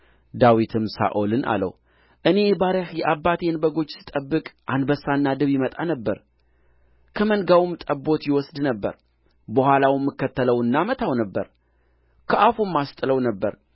ዳዊትም ሳኦልን አለው እኔ ባሪያህ የአባቴን በጎች ስጠብቅ አንበሳና ድብ ይመጣ ነበር ከመንጋውም ጠቦት ይወስድ ነበር በኋላውም እከተለውና እመታው ነበር ከአፉም አስጥለው ነበር